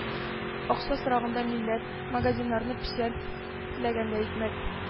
Акча сораганда милләт, магазиннарны печәтләгәндә икмәк! -